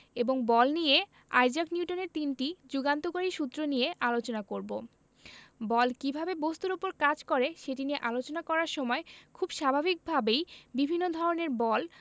এবং বল নিয়ে আইজাক নিউটনের তিনটি যুগান্তকারী সূত্র নিয়ে আলোচনা করব বল কীভাবে বস্তুর উপর কাজ করে সেটি নিয়ে আলোচনা করার সময় খুব স্বাভাবিকভাবেই বিভিন্ন ধরনের বল